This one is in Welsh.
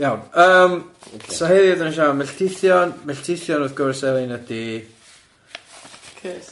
Iawn, yym so heddiw 'dan ni'n siarad am melltithion, melltithion wrth gwrs, Elin, ydi... Curse.